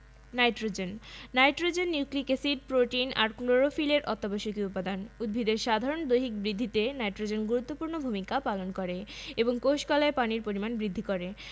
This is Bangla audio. nitrogen nitrogen nucleic acid protein আর ক্লোরোফিলের অত্যাবশ্যকীয় উপাদান উদ্ভিদের সাধারণ দৈহিক বৃদ্ধিতে নাইট্রোজেন গুরুত্বপূর্ণ ভূমিকা পালন করে এবং কোষ কলায় পানির পরিমাণ বৃদ্ধি করে